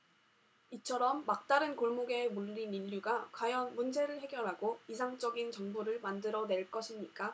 이처럼 막다른 골목에 몰린 인류가 과연 문제를 해결하고 이상적인 정부를 만들어 낼 것입니까